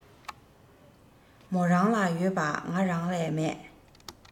མོ རང ལ ཡོད པ ང རང ལས མེད